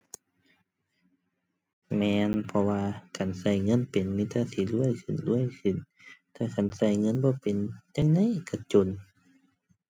แม่น เพราะว่าคันใช้เงินเป็นมีแต่สิรวยขึ้นรวยขึ้น แต่คันใช้เงินบ่เป็นจั่งใดใช้จน